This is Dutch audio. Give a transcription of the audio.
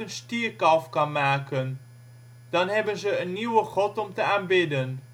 kan maken. Dan hebben ze een nieuwe God om te aanbidden